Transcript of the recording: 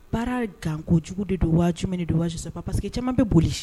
Baara gankojugu de don wa min de don wa saba pa parceseke que caman bɛ boli